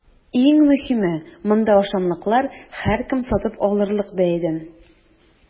Иң мөһиме – монда ашамлыклар һәркем сатып алырлык бәядән!